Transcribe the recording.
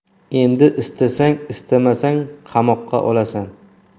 endi istasang istamasang qamoqqa olasan